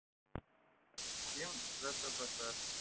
гимн рсфср